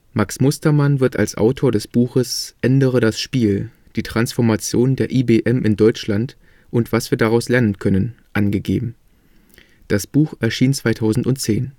Max Mustermann wird als Autor des Buches Ändere das Spiel. Die Transformation der IBM in Deutschland und was wir daraus lernen können angegeben. Das Buch erschien 2010